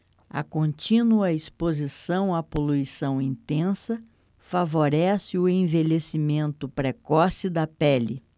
a contínua exposição à poluição intensa favorece o envelhecimento precoce da pele